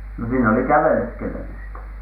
no siinä oli käveleskelemistä